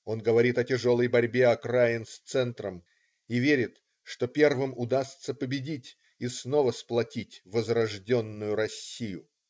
Он говорит о тяжелой борьбе окраин с центром и верит, что первым удастся победить и снова сплотить возрожденную Россию.